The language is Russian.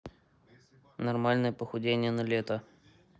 нормальное похудение на лето